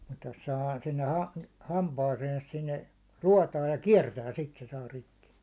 mutta jos sahaa sinne - hampaaseensa sinne ruotoon ja kiertää sitten se saa rikki